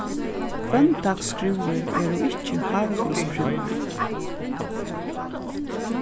hvønndagsskrúðir eru ikki hátíðisprúðar